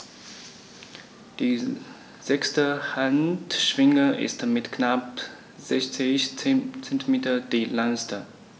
Die sechste Handschwinge ist mit knapp 60 cm die längste.